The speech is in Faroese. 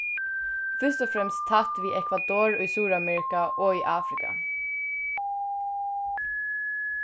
fyrst og fremst tætt við ekvador í suðuramerika og í afrika